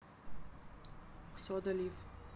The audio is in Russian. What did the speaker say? soda luv